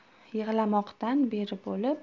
yig'lamoqdan beri bo'lib